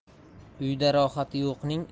uyda rohati yo'qning